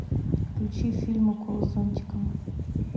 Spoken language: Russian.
включи фильм укол зонтиком